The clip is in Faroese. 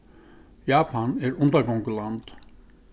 japan er undangonguland